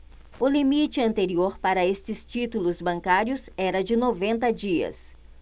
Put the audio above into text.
o limite anterior para estes títulos bancários era de noventa dias